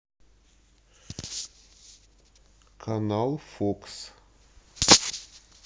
канал фокс